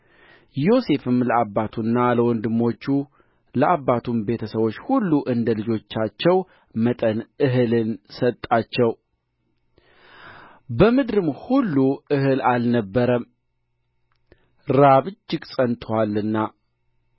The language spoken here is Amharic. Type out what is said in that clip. ዮሴፍም ለአባቱና ለወንድሞቹ ለአባቱም ቤተ ሰዎች ሁሉ እንደ ልጆቻቸው መጠን እህል ሰጣቸው በምድርም ሁሉ እህል አልነበረም ራብ እጅግ ጸንቶአልና